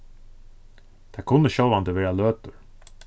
tað kunnu sjálvandi vera løtur